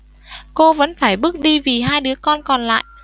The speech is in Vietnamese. cô vẫn phải bước đi vì hai đứa con còn lại